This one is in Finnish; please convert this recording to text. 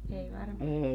ei varmaan